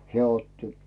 hän otti